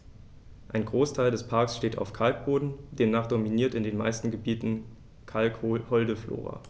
Ein Großteil des Parks steht auf Kalkboden, demnach dominiert in den meisten Gebieten kalkholde Flora.